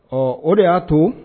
Ɔ o de y'a to